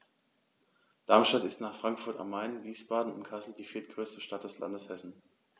Darmstadt ist nach Frankfurt am Main, Wiesbaden und Kassel die viertgrößte Stadt des Landes Hessen